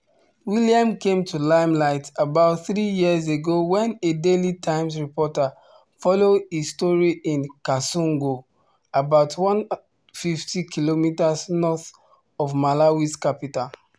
William came to limelight about three years ago when a Daily Times reporter followed his story in Kasungu about 150 kilometers north of Malawi's capital.